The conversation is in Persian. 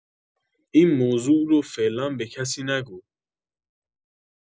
این موضوع رو فعلا به کسی نگو